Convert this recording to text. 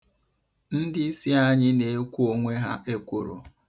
Ndị isi anyị na-ekwo onwe ha ekworo.